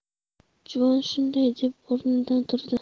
juvon shunday deb o'rnidan turdi